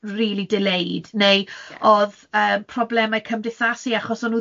..rili delayed, neu oedd yym problemau cymdeithasu achos o'n nhw